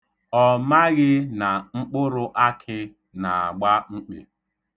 Ọ maghị na mkpụrụ akị na-agba mkpị.